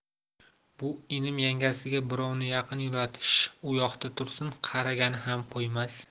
bu inim yangasiga birovni yaqin yo'latish u yoqda tursin qaragani ham qo'ymas